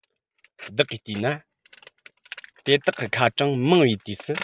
བདག གིས བལྟས ན དེ དག གི ཁ གྲངས མང བའི དུས སུ